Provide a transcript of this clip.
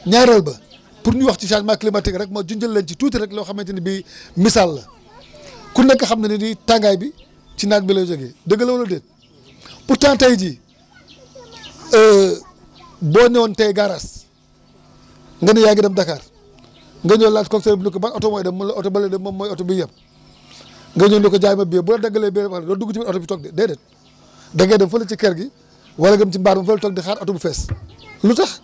ñaareel ba pour ñu wax ci changement climatique rek ma junjal leen ci tuuti rek loo xamante ni bi misaal la ku nekk xam na ne ni tàngaay bi ci naaj bi lay jógee dëgg la wala déet pourtant tey jii boo newoon tey garage nga ne yaa ngi dem Dakar nga ñëw laajte cockseur bi ne ko ban oto mooy dem mu ne la oto bële de moom mooy oto biy yeb nga ñëw ne ko jaay ma billet bu la daggalee billet ba pare doo dugg ci biir oto bi toog de déedéet da ngay dem fële ci ker gi wala nga dem ci mbaar mi fële toog di xaar oto bi fees lu tax